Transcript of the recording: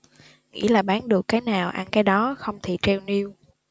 nghĩa là bán được cái nào ăn cái đó không thì treo niêu